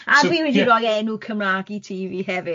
A... So-.... dwi wedi... yeah... roi enw Cymraeg i tŷ fi hefyd.